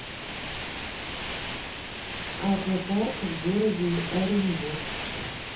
аквапарк в городе оренбург